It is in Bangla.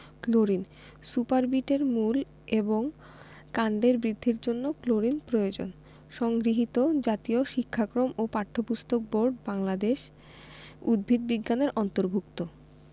ক্লোরিন সুপারবিট এর মূল এবং কাণ্ডের বৃদ্ধির জন্য ক্লোরিন প্রয়োজন সংগৃহীত জাতীয় শিক্ষাক্রম ও পাঠ্যপুস্তক বোর্ড বাংলাদেশ উদ্ভিদ বিজ্ঞান এর অন্তর্ভুক্ত